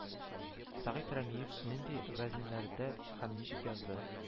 «сәгыйть рәмиев нинди вәзеннәрдә һәм ничек язды»